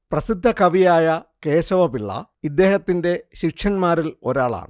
പ്രസിദ്ധ കവിയായ കേശവപിള്ള ഇദ്ദേഹത്തിന്റെ ശിഷ്യന്മാരിൽ ഒരാളാണ്